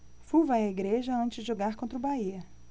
flu vai à igreja antes de jogar contra o bahia